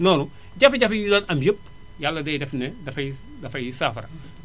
noonu jafe-jafe yi ñu doon am yépp Yàlla day def ne dafay dafay saafara